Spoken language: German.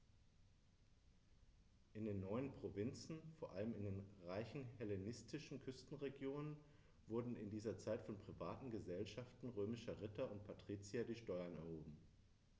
In den neuen Provinzen, vor allem in den reichen hellenistischen Küstenregionen, wurden in dieser Zeit von privaten „Gesellschaften“ römischer Ritter und Patrizier die Steuern erhoben.